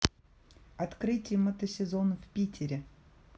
открытие мотосезона в питере